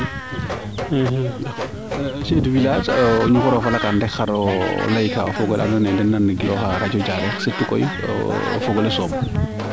chef du village o ñuxro falakaan rek xaroo leyka o fogole ando de na nan gilooxa radio Diarekh surtout koy o fogole Sooɓ